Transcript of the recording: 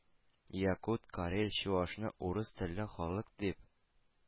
Якут, карел, чуашны «урыс телле халык» дип